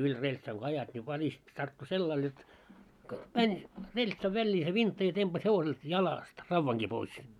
yli reltsan kun ajat niin välistä tarttui sellainen jotta meni reltsan väliin se vintta ja tempaisi hevoselta jalasta raudankin pois